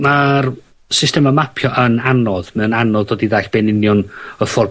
ma'r systema mapio yn anodd. Mae o'n anodd dod i ddall be' yn union, y ffor